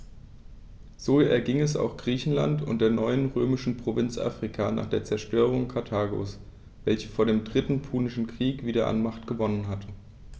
So erging es auch Griechenland und der neuen römischen Provinz Afrika nach der Zerstörung Karthagos, welches vor dem Dritten Punischen Krieg wieder an Macht gewonnen hatte.